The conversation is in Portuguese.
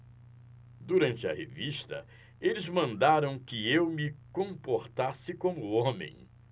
durante a revista eles mandaram que eu me comportasse como homem